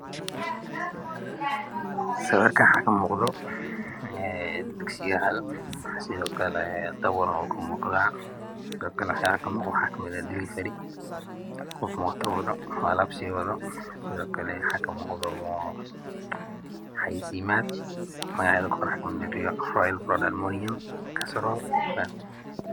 Sawirkaan waxaa kamuuqdo dig siyaal sidookle dapool wuu kamuuqdaa xaga waxa kamuuqdo waxa waye dalifari qof alaap siwado sidoo kle waxaa ka muuqdo xaysiimaad